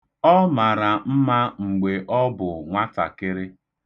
Ọ mara mma mgbe ọ bụ nwatakịrị.